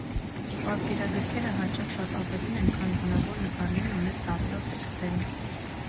Պատկերագրքերը հաճախ շատ ավելին են քան գունավոր նկարներն ու մեծ տառերով տեքստերը։